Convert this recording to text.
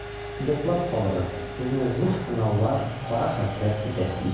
Йоклап калыгыз, сезне зур сынаулар, кара хәсрәт көтә.